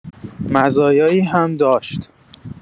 مزایایی هم داشت.